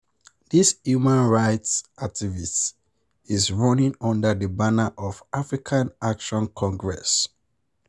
This human rights activist is running under the banner of African Action Congress.